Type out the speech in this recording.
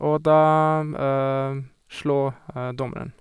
Og da slå dommeren.